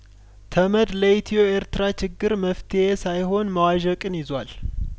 ተመድ ለኢትዮ ኤርትራ ችግር መፍትሄ ሳይሆን መዋዠቅን ይዟል